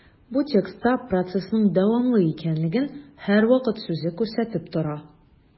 Бу текстта процессның дәвамлы икәнлеген «һәрвакыт» сүзе күрсәтеп тора.